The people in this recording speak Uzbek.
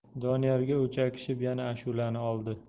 doniyorga o'chakishib yana ashulani oldi